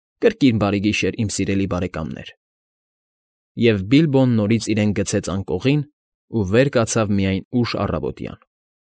Կրկին բարի գիշեր, իմ սիրելի բարեկամներ…֊ Եվ Բիլբոն նորից իրեն գցեց անկողին ու վեր կացավ միայն ուշ առավոտյան։